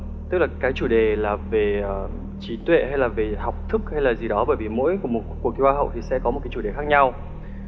tức là cái chủ đề là về trí tuệ hay là về học thức hay gì đó bởi vì mỗi của một cuộc thi hoa hậu thì sẽ có một cái chủ đề khác nhau